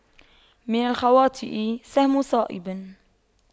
من الخواطئ سهم صائب